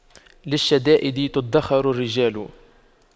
للشدائد تُدَّخَرُ الرجال